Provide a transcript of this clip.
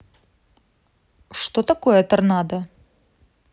что такое торнадо